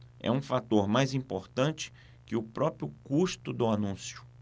é um fator mais importante que o próprio custo do anúncio